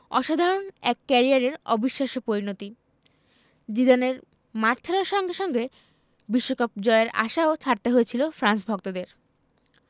অসাধারণ এক ক্যারিয়ারের অবিশ্বাস্য পরিণতি জিদানের মাঠ ছাড়ার সঙ্গে সঙ্গে বিশ্বকাপ জয়ের আশাও ছাড়তে হয়েছিল ফ্রান্স ভক্তদের